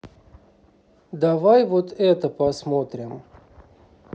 давай вот это посмотрим